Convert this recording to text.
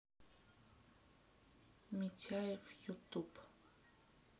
митяев ютуб